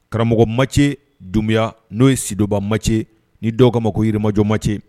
Karamɔgɔ macɛ dunya n'o ye sidonba ma cɛ ni dɔw kama ma ko yirimajɔma cɛ